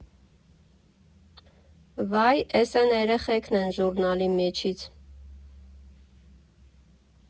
Վա՜յ, էս էն էրեխեքն են ժուռնալի մեջից։